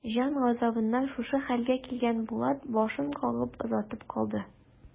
Җан газабыннан шушы хәлгә килгән Булат башын кагып озатып калды.